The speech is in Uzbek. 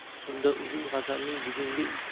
unda uzun hasanning bugungi